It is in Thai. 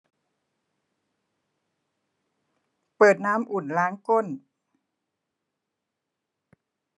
เปิดน้ำอุ่นล้างก้น